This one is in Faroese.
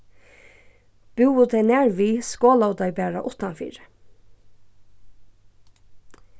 búðu tey nær við skolaðu tey bara uttanfyri